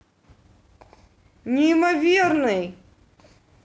неимоверный